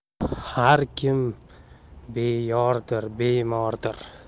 har kim beyordir bemordir